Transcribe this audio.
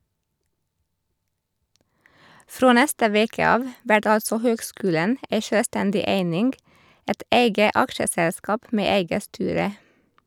Frå neste veke av vert altså høgskulen ei sjølvstendig eining, eit eige aksjeselskap med eige styre.